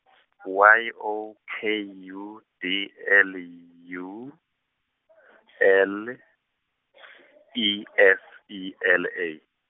Y O K U D L U, L, E S E L A.